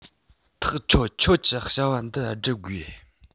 ཐག ཆོད ཁྱོད ཀྱིས བྱ བ འདི སྒྲུབ དགོས